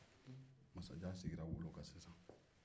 masajan sigira wolo kan sisan